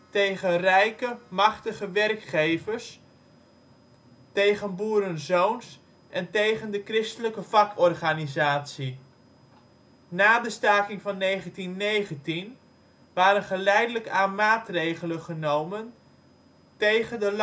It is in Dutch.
tegen rijke, machtige werkgevers (landbouwers), tegen boerenzoons en tegen de christelijke vakorganisatie. Na de staking van 1919 waren geleidelijk aan maatregelen genomen tegen de